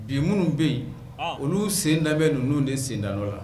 Bi minnu be ye ɔɔ olu sen danbɛ ninnu de senda nɔ la